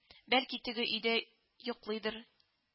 Бәлки теге өйдә йоклыйдыр